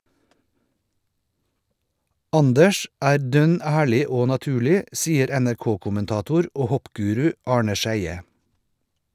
Anders er dønn ærlig og naturlig, sier NRK-kommentator og hoppguru Arne Scheie.